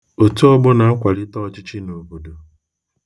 Otu ọgbọ na-akwalite ọchịchị n'obodo.